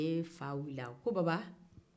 a ko baba